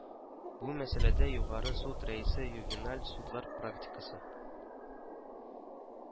Бу мәсьәләдә Югары суд рәисе ювеналь судлар практикасы